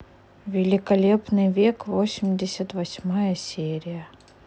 великолепный век восемьдесят восьмая серия